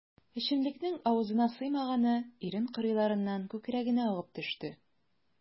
Эчемлекнең авызына сыймаганы ирен кырыйларыннан күкрәгенә агып төште.